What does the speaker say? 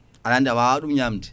aɗa andi a wawa ɗum ñamde